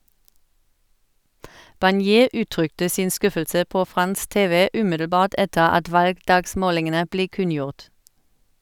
Barnier uttrykte sin skuffelse på fransk TV umiddelbart etter at valgdagsmålingene ble kunngjort.